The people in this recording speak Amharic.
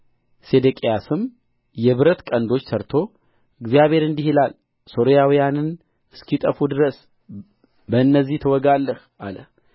ሰዴቅያስም የብረት ቀንዶች ሠርቶ እግዚአብሔር እንዲህ ይላል ሶሪያውያንን እስኪጠፉ ድረስ በእነዚህ ትወጋለህ አለ